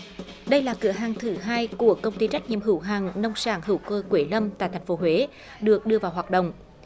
đây là cửa hàng thứ hai của công ty trách nhiệm hữu hạn nông sản hữu cơ quế lâm tại thành phố huế được đưa vào hoạt động